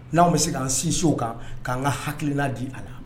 N'anw bɛ se k'an sinsin o kan k'an ka hakilina di a la.